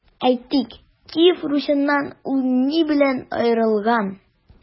Әйтик, Киев Русеннан ул ни белән аерылган?